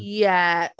Ie.